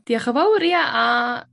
Dioch yn fowr ia a